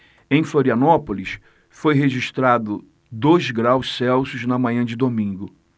em florianópolis foi registrado dois graus celsius na manhã de domingo